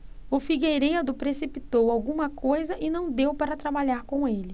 o figueiredo precipitou alguma coisa e não deu para trabalhar com ele